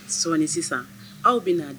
Sɔɔnin sisan aw bɛ'n'a dɔn